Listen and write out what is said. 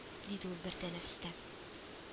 – диде ул бер тәнәфестә